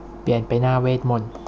เปลี่ยนไปหน้าเวทมนตร์